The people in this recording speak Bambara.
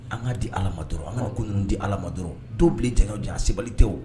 An ka di ala ma an ka kounu di ala ma dɔw bilen jaraw de a sabalibali tɛ